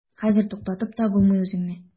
Хәзер туктатып та булмый үзеңне.